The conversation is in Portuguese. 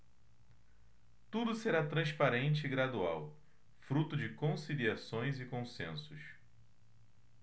tudo será transparente e gradual fruto de conciliações e consensos